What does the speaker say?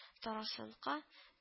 Тарасынка